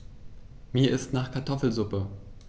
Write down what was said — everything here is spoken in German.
Mir ist nach Kartoffelsuppe.